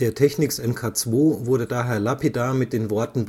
Der Technics MK2 wurde daher lapidar mit den Worten: